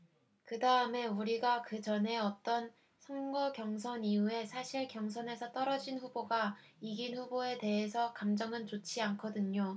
그다음에 우리가 그 전에 어떤 선거 경선 이후에 사실 경선에서 떨어진 후보가 이긴 후보에 대해서 감정은 좋지 않거든요